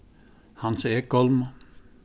hans egholm